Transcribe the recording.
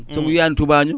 so ngu yiyaani tubaañoo